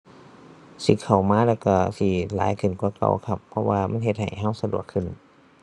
สิเข้ามาแล้วก็สิหลายขึ้นกว่าเก่าครับ เพราะว่ามันเฮ็ดให้ก็สะดวกขึ้น